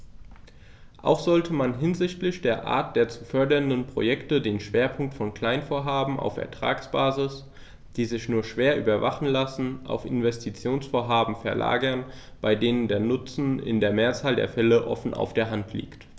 Auch sollte man hinsichtlich der Art der zu fördernden Projekte den Schwerpunkt von Kleinvorhaben auf Ertragsbasis, die sich nur schwer überwachen lassen, auf Investitionsvorhaben verlagern, bei denen der Nutzen in der Mehrzahl der Fälle offen auf der Hand liegt.